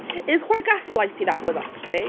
It was quite gaslighty, that was, actually.